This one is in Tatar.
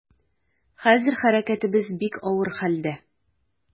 Хәзер хәрәкәтебез бик авыр хәлдә.